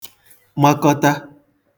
makọta